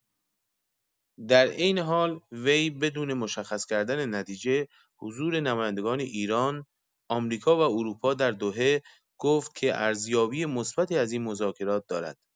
در عین حال، وی بدون مشخص کردن نتیجه حضور نمایندگان ایران، آمریکا و اروپا در دوحه، گفت که ارزیابی مثبتی از این مذاکرات دارد.